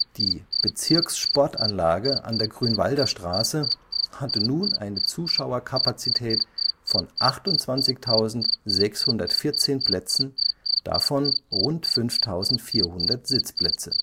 Die Bezirkssportanlage an der Grünwalder Straße hatte nun eine Zuschauerkapazität von 28.614 Plätzen, davon rund 5.400 Sitzplätze